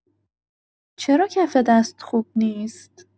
چرا کف دست خوب نیست؟